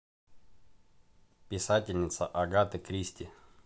писательница агата кристи